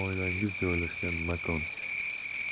oilangiz joylashgan makon